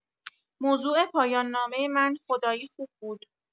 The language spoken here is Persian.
موضوع پایان‌نامه من خدایی خوب بود.